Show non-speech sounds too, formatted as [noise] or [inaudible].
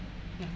[hesitation]